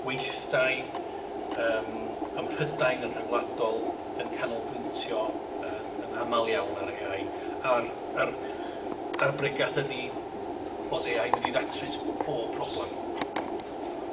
weithdai yym ym Mhrydain yn rhyngwladol yn canolbwyntio yn yn amal iawn ar Ay I a'r a'r a'r bregath ydi bod Ay I yn mynd i ddatrys bob problem.